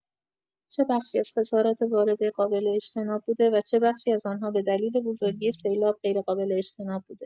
چه بخشی از خسارات وارده قابل‌اجتناب بوده و چه بخشی از آن‌ها به دلیل بزرگی سیلاب غیرقابل اجتناب بوده